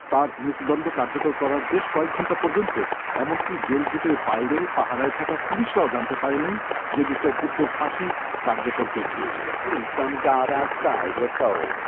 তার মৃত্যুদণ্ড কার্যকর করার বেশ কয়েক ঘন্টা পর্যন্ত এমনকি জেল গেটের বাইরে পাহারায় থাকা পুলিশরাও জানতে পারেননি যে মিস্টার ভুট্টোর ফাঁসি কার্যকর হয়ে গিয়েছে even the police on guard outside were told